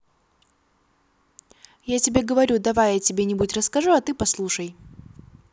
я тебе говорю давай я тебе нибудь расскажу а ты послушай